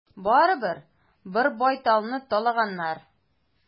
Барыбер, бер байталны талаганнар.